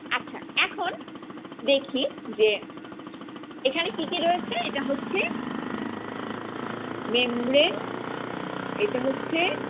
আচ্ছা এখন দেখি এখানে কি কি রয়েছে এটা হচ্ছে মেমব্রেন এটা হচ্ছে